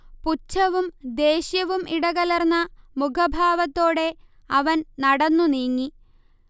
പുച്ഛവും ദേഷ്യവും ഇടകലർന്ന മുഖഭാവത്തോടെ അവൻ നടന്നുനീങ്ങി